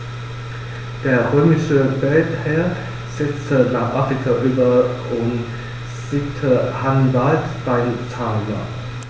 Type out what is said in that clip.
Der römische Feldherr setzte nach Afrika über und besiegte Hannibal bei Zama.